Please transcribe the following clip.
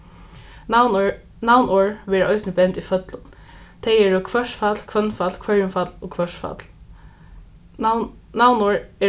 navnorð navnorð verða eisini bend í føllum tey eru hvørsfall hvønnfall hvørjumfall og hvørsfall navn navnorð